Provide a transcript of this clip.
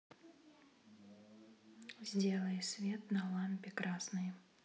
сделай свет на лампе красный